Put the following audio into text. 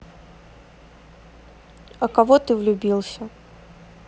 а кого ты влюбился